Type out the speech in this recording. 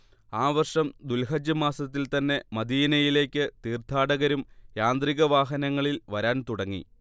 ആ വർഷം ദുൽഹജ്ജ് മാസത്തിൽ തന്നെ മദീനയിലേക്ക് തീർത്ഥാടകരും യാന്ത്രിക വാഹനങ്ങളിൽ വരാൻ തുടങ്ങി